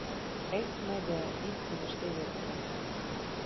Әйтмә дә! - дип килеште Веткин.